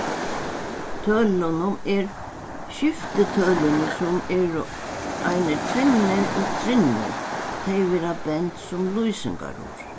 tølunum er skiftitølini sum eru einir tvinnir og trinnir tey verða bend sum lýsingarorð